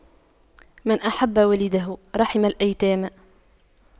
من أحب ولده رحم الأيتام